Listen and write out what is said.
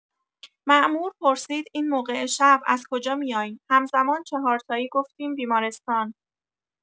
مامور پرسید این موقع شب از کجا میاین همزمان چهارتایی گفتیم بیمارستان